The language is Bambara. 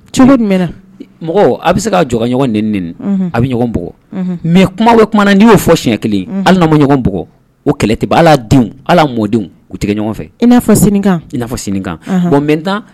Tu jumɛn mɛnɛna mɔgɔ a bɛ se ka ɲɔgɔnɔgɔ ɲɔgɔn ni a bɛ ɲɔgɔnug mɛ kuma kuma na n'i y'o fɔ siɲɛ kelen halima ɲɔgɔnug o kɛlɛ tɛ ala denw ala mɔdenw u tɛ ɲɔgɔn fɛ i n'a fɔ senkan n'afɔ senkan bon bɛ tan